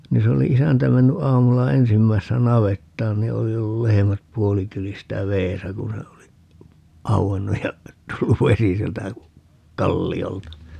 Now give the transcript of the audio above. niin se oli isäntä mennyt aamulla ensimmäisenä navettaan niin oli ollut lehmät puolikyljistä vedessä kun se oli auennut ja tullut vesi sieltä kalliolta